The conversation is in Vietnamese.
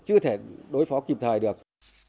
chưa thể đối phó kịp thời được